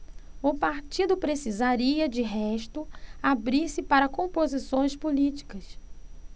o partido precisaria de resto abrir-se para composições políticas